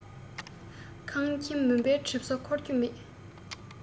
ཁང ཁྱིམ མུན པ གྲིབ སོ འཁོར རྒྱུ མེད